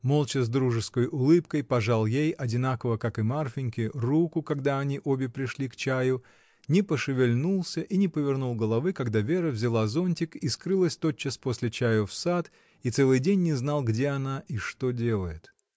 молча, с дружеской улыбкой пожал ей, одинаково, как и Марфиньке, руку, когда они обе пришли к чаю, не пошевельнулся и не повернул головы, когда Вера взяла зонтик и скрылась тотчас после чаю в сад, и целый день не знал, где она и что делает.